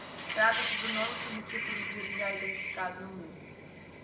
trata-se do nono subtipo do vírus já identificado no mundo